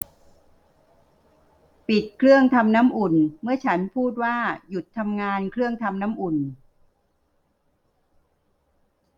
ปิดเครื่องทำน้ำอุ่นเมื่อฉันพูดว่าหยุดทำงานเครื่องทำน้ำอุ่น